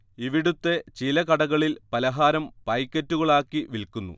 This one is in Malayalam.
ഇവിടുത്തെ ചില കടകളിൽ പലഹാരം പായ്ക്കറ്റുകളാക്കി വിൽക്കുന്നു